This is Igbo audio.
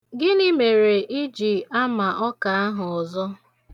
Gịnị mere ị ji ama ọka ahụ ọzọ.